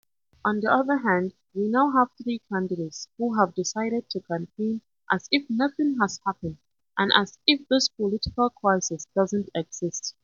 On the other hand, we now have three candidates who have decided to campaign as if nothing has happened and as if this political crisis doesn’t exist.